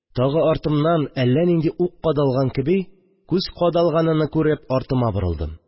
Тагы артымнан әллә нинди ук кадалган кеби күз кадалганыны күреп, артыма борылдым